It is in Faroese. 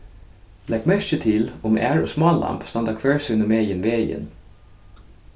legg merki til um ær og smálamb standa hvør sínumegin vegin